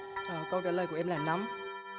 câu trả lời của em là nấm